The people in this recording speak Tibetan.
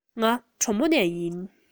ང གྲོ མོ ནས ཡིན